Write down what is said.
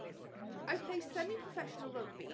O... "I play semi-professional rugby..."